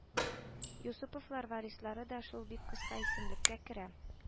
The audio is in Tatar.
Юсуповлар) варислары да шул бик кыска исемлеккә керә